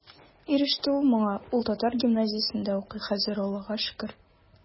Иреште ул моңа, улы татар гимназиясендә укый хәзер, Аллаһыга шөкер.